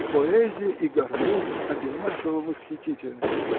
и поэзия, и гармония одинаково восхитительны!.